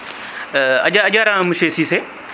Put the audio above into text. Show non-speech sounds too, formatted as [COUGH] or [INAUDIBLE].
[HESITATION] a ja jarama monsieur Cissé